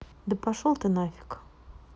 да пошел ты нафиг